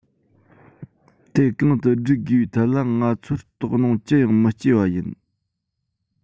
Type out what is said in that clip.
དེ གང རུ བསྒྲིག དགོས པའི ཐད ལ ང ཚོར དོགས སྣང ཅི ཡང མི སྐྱེ བ ཡིན